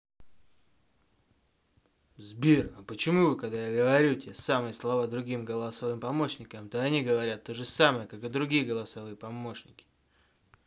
сбер а почему вы когда я говорю те самые слова другим голосовым помощником то они говорят то же самое как и другие голосовые помощники